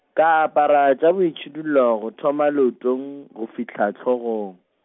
ka apara tša boitšhidullo go thoma leotong, go fihla hlogong.